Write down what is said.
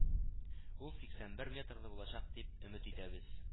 Ул сиксән бер метрлы булачак дип өмет итәбез